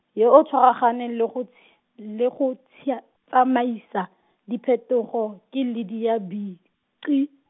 yo o tshwaraganeng le go tsh-, le go tshia-, tsamaisa, diphetogo ke Lydia Bici.